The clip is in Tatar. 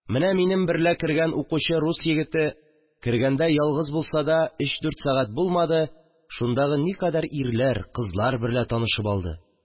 Менә минем берлә кергән укучы рус егете, кергәндә ялгыз булса да, өч-дүрт сәгать булмады, шундагы никадәр ирләр, кызлар берлә танышып алды